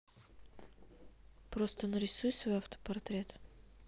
просто нарисуй свой автопортрет